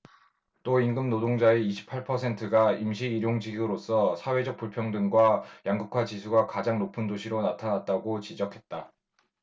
또 임금노동자의 이십 팔 퍼센트가 임시 일용직으로서 사회적 불평등과 양극화 지수가 가장 높은 도시로 나타났다 고 지적했다